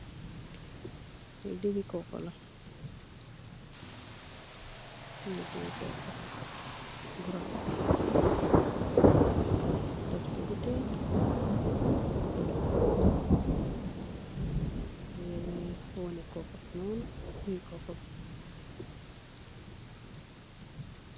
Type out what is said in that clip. Li dewwi coco la bu rafet, nyew ko def ce butail bu bulo.